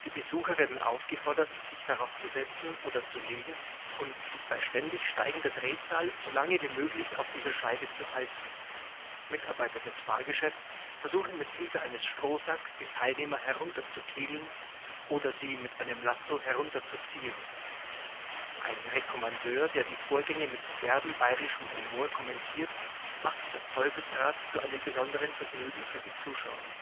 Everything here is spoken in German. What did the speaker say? Besucher werden aufgefordert, sich darauf zu setzen oder zu legen und sich bei ständig steigender Drehzahl so lange wie möglich auf dieser Scheibe zu halten. Mitarbeiter des Fahrgeschäfts versuchen mit Hilfe eines Strohsacks, die Teilnehmer „ herunterzukegeln “oder sie mit einem Lasso herunterzuziehen. Ein Rekommandeur, der die Vorgänge mit derbem bayerischen Humor kommentiert, macht das Teufelsrad zu einem besonderen Vergnügen für die Zuschauer